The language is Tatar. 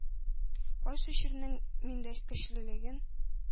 Кайсы чирнең миндә көчлелеген